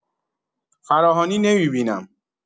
فراهانی نمی‌بینم